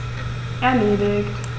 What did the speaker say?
Erledigt.